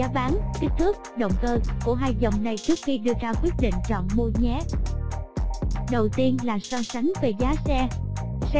về giá bán và kích thước động cơ của dòng này trước khi đưa ra quyết định chọn mua nhé đầu tiên là so sánh về giá xe